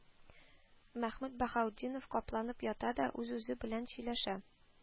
Мәхмүт Баһаутдинов капланып ята да, үз-үзе белән сөйләшә: